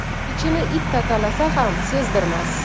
ichini it tatalasa ham sezdirmas